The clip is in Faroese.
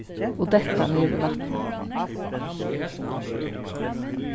og detta niður í vatnið